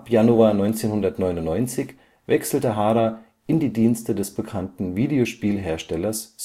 Januar 1999 wechselte Hara in die Dienste des bekannten Videospielherstellers